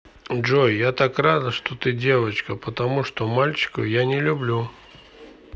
джой я так рада что ты девочка потому что мальчиков я не люблю